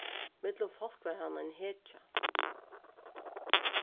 millum fólk var hann ein hetja